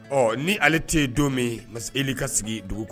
Ɔ ni ale tɛ yen don min parce e ka sigi dugu kɔnɔ